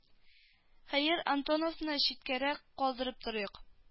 Хәер антоновны читкәрәк калдырып торыйк